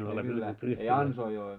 ei millään ei ansoja ole